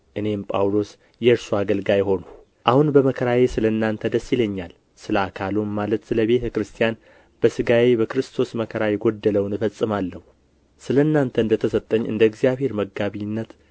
እኔም ጳውሎስ የእርሱ አገልጋይ ሆንሁ አሁን በመከራዬ ስለ እናንተ ደስ ይለኛል ስለ አካሉም ማለት ስለ ቤተ ክርስቲያን በሥጋዬ በክርስቶስ መከራ የጐደለውን እፈጽማለሁ ስለ እናንተ እንደ ተሰጠኝ እንደ እግዚአብሔር መጋቢነት